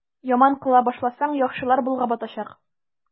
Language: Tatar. Яман кыла башласаң, яхшылар болгап атачак.